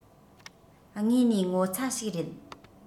དངོས ནས ངོ ཚ ཞིག རེད